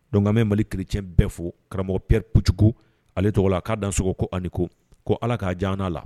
Donc an bi Mai keretiɲɛ bɛɛ fo karamɔgɔ Piyɛri Pujugo ale tɔgɔ la. Ka dansɔgɔ ko a ni ko . Ko Ala ka ja an na la.